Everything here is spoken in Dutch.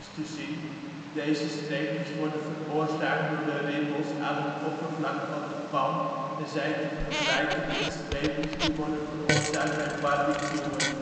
te zien. Deze streepjes worden veroorzaakt door de ribbels aan het oppervlak van de pan en zijn te vergelijken met de streepjes die worden veroorzaakt bij barbecuen